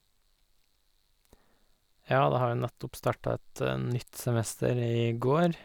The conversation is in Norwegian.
Ja, det har jo nettopp starta et nytt semester i går.